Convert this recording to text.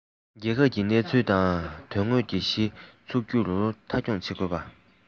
རྒྱལ ཁབ ཀྱི གནས ཚུལ དང དོན དངོས ལ གཞི ཚུགས རྒྱུ མཐའ འཁྱོངས བྱེད དགོས ཤིང